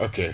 ok